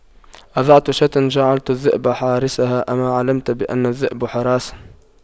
أضعت شاة جعلت الذئب حارسها أما علمت بأن الذئب حراس